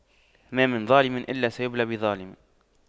ما من ظالم إلا سيبلى بظالم